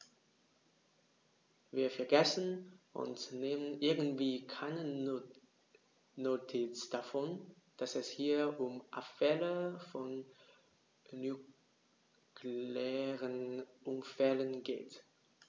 Wir vergessen, und nehmen irgendwie keine Notiz davon, dass es hier um Abfälle von nuklearen Unfällen geht.